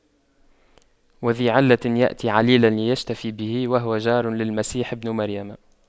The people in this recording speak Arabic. وذى علة يأتي عليلا ليشتفي به وهو جار للمسيح بن مريم